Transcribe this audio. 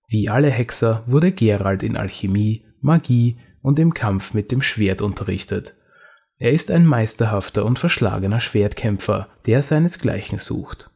Wie alle Hexer wurde Geralt in Alchemie, Magie und im Kampf mit dem Schwert unterrichtet. Er ist ein meisterhafter und verschlagener Schwertkämpfer, der seinesgleichen sucht